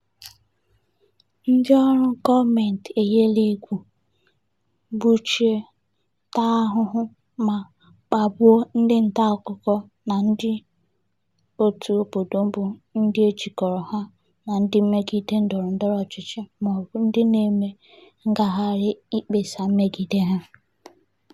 Ndịọrụ gọọmentị eyiela egwu, nwụchie, taa ahụhụ, ma kpagbuo ndị ntaakụkọ na ndịòtù obodo bụ ndị e jikọrọ ha na ndị mmegide ndọrọndọrọ ọchịchị maọbụ ndị na-eme ngagharị mkpesa megide ha.